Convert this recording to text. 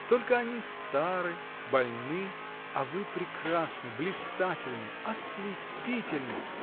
— Только они стары, больны, а вы прекрасны, блистательны, ослепительны.